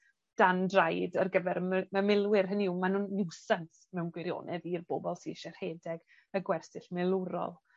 dan draed ar gyfer y my- y milwyr, hynny yw ma' nw'n niwsans mewn gwirionedd i'r bobol sy isie rhedeg y gwersyll milwrol.